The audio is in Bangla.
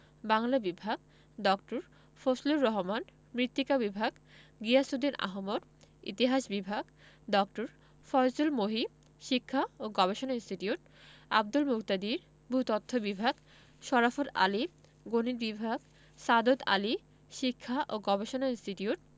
বাংলা বিভাগ ড. ফজলুর রহমান মৃত্তিকা বিভাগ গিয়াসউদ্দিন আহমদ ইতিহাস বিভাগ ড. ফয়জুল মহি শিক্ষা ও গবেষণা ইনস্টিটিউট আব্দুল মুকতাদির ভূ তত্ত্ব বিভাগ শরাফৎ আলী গণিত বিভাগ সাদত আলী শিক্ষা ও গবেষণা ইনস্টিটিউট